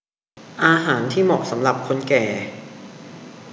อาหารที่เหมาะสำหรับคนแก่